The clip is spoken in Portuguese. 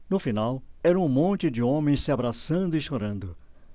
no final era um monte de homens se abraçando e chorando